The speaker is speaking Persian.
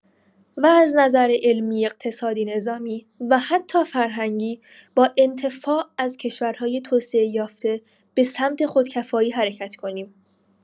و از نظر علمی اقتصادی نظامی و حتی فرهنگی با انتفاع از کشورهای توسعۀافته به سمت خود کفایی حرکت کنیم.